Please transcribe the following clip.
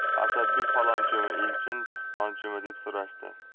asadbek falonchimi elchin pistonchimi deb so'rashdi